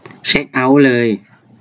เช็คเอ้าท์เลย